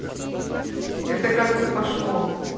это как то пошло